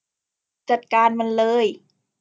จัดการมันเลย